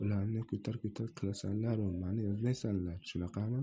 ularni ko'tar ko'tar qilasanlaru mani yozmaysanlar shunaqami